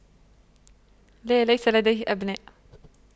لا ليس لديه أبناء